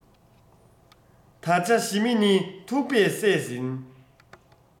ད ཆ ཞི མི ནི ཐུག པས བསད ཟིན